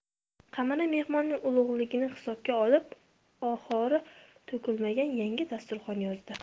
qamara mehmonning ulug'ligini hisobga olib ohori to'kilmagan yangi dasturxon yozdi